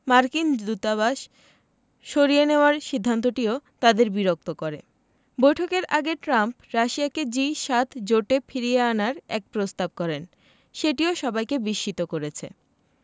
মার্কিন দূতাবাস সরিয়ে নেওয়ার সিদ্ধান্তটিও তাদের বিরক্ত করে বৈঠকের আগে ট্রাম্প রাশিয়াকে জি ৭ জোটে ফিরিয়ে আনার এক প্রস্তাব করেন সেটিও সবাইকে বিস্মিত করেছে